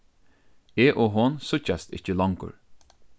eg og hon síggjast ikki longur